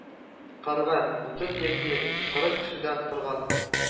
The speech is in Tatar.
Кәрван утыз яки кырык кешедән торган